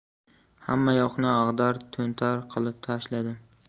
hammayoqni ag'dar to'ntar qilib tashladim